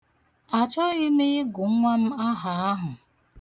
Achọghị m ịgụ nwa m aha ahụ.